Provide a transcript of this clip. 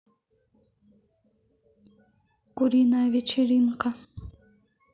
куриная вечеринка